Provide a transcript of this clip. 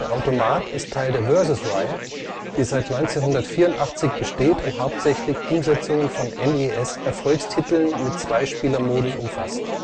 Automat ist Teil der Vs.-Reihe, die seit 1984 besteht und hauptsächlich Umsetzungen von NES-Erfolgstiteln mit Zweispieler-Modus umfasst